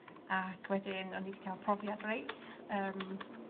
Ac wedyn o'n i 'di ca'l profiad reit yym